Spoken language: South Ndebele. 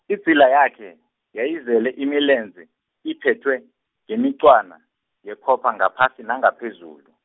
idzila yakhe, yayizele imilenze, iphethwe, ngemiqwana, yekhopha, ngaphasi nangaphezulu.